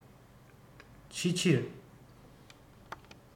ཕྱི ཕྱིར